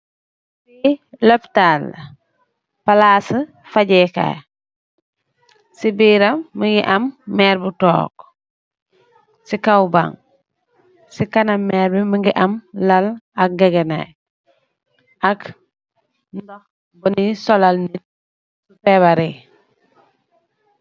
Fi lapotetan la palasi face kai si biram munge am merr bu tog si kaw bang si kaw merr b munge am lal ak ngege nai